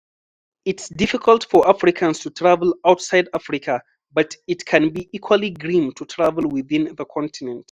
It’s difficult for Africans to travel outside Africa — but it can be equally grim to travel within the continent.